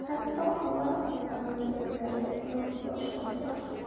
Хәтта алар өметсезләнә үк башладылар.